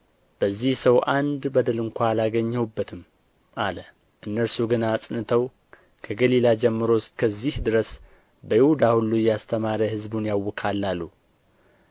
በዚህ ሰው አንድ በደል ስንኳ አላገኘሁበትም አለ እነርሱ ግን አጽንተው ከገሊላ ጀምሮ እስከዚህ ድረስ በይሁዳ ሁሉ እያስተማረ ሕዝቡን ያውካል አሉ